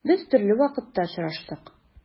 Без төрле вакытта очраштык.